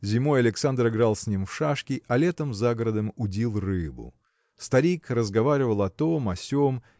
Зимой Александр играл с ним в шашки, а летом за городом удил рыбу. Старик разговаривал о том, о сем.